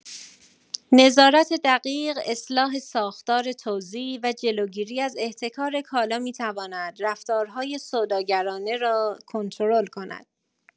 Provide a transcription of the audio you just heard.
نظارت دقیق، اصلاح ساختار توزیع و جلوگیری از احتکار کالا می‌تواند رفتارهای سوداگرانه را کنترل کند.